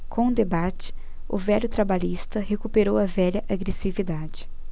com o debate o velho trabalhista recuperou a velha agressividade